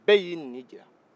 bɛɛ y' ni jira